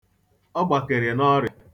Ọ gbakere n'ọrịa.